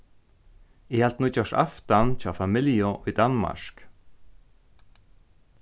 eg helt nýggjársaftan hjá familju í danmark